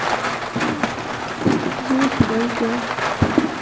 звуки дождя